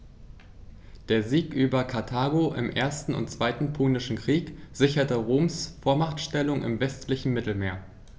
Der Sieg über Karthago im 1. und 2. Punischen Krieg sicherte Roms Vormachtstellung im westlichen Mittelmeer.